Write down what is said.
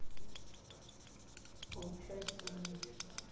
получается выучить